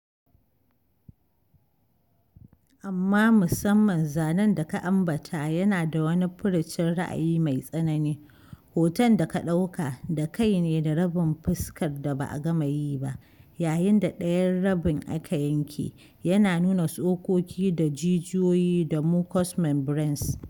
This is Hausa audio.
Amma, musamman, zanen da ka ambata yana da wani furucin ra’ayi mai tsanani: Hoton da ka ɗauka da kai ne da rabin fuskar da ba a gama yi ba, yayin da ɗayan rabi aka yanke, yana nuna tsokoki da jijiyoyi da mucous membranes.